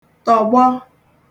tọ̀gbọ